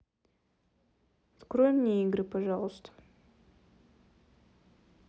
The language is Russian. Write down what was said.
открой мне игры пожалуйста